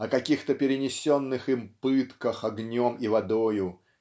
о каких-то перенесенных им пытках огнем и водою